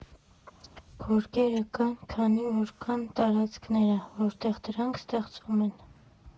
Գորգերը կան, քանի որ կան տարածքները, որտեղ դրանք ստեղծվում են։